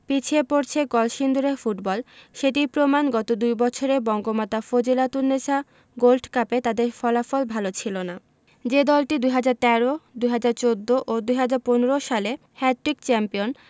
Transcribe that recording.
পিছিয়ে পড়ছে কলসিন্দুরের ফুটবল সেটির প্রমাণ গত দুই বছরে বঙ্গমাতা ফজিলাতুন্নেছা গোল্ড কাপে তাদের ফলাফল ভালো ছিল না যে দলটি ২০১৩ ২০১৪ ও ২০১৫ সালে হ্যাটট্রিক চ্যাম্পিয়ন